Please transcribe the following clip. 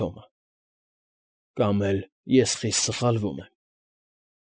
Թոմը,֊ կամ էլ ես խիստ սխալվում եմ։